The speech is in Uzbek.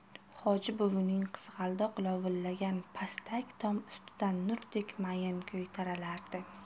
hoji buvining qizg'aldoqlar lovullagan pastak tomi ustidan nurdek mayin kuy taralardi